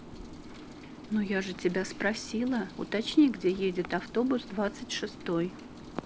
ну я же тебя спросила уточни где едет автобус двадцать шестой